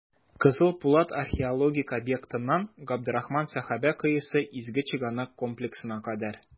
«кызыл пулат» археологик объектыннан "габдрахман сәхабә коесы" изге чыганак комплексына кадәр.